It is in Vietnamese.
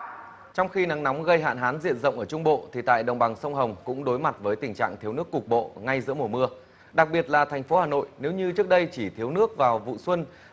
trong khi nắng nóng gây hạn hán diện rộng ở trung bộ thì tại đồng bằng sông hồng cũng đối mặt với tình trạng thiếu nước cục bộ ngay giữa mùa mưa đặc biệt là thành phố hà nội nếu như trước đây chỉ thiếu nước vào vụ xuân